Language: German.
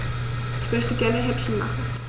Ich möchte gerne Häppchen machen.